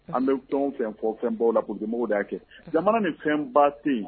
An bɛ tɔn fɛn fɔ fɛnbaw la kun quemɔgɔ' kɛ jamana ni fɛn ba tɛ yen